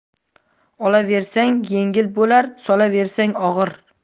olaversang yengil bo'lar solaversang og'ir